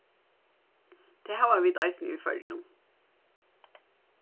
tað hava vit eisini í føroyum